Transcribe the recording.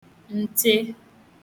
ǹte